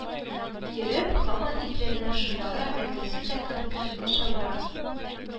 Йөреп һаман ипләнә, шомара, мәгънәсе дә конкретлаша бара